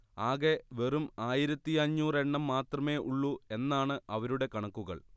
ആകെ വെറും ആയിരത്തിയഞ്ഞൂറ് എണ്ണം മാത്രമേ ഉള്ളൂ എന്നാണ് അവരുടെ കണക്കുകൾ